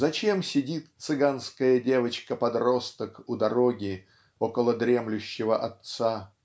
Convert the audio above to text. зачем сидит цыганская девочка-подросток у дороги около дремлющего отца?